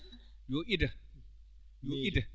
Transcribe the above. yo ido yo ido